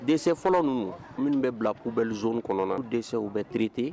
Dɛsɛ fɔlɔ ninnu minnu bɛ bila u bɛ z kɔnɔ u dɛsɛ u bɛ kite